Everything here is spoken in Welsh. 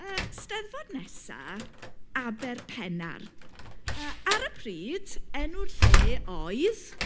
Yy Eisteddfod nesa, Aberpennar yy ar y pryd, enw'r lle oedd...